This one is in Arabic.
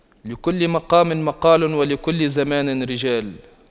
لكل مقام مقال ولكل زمان رجال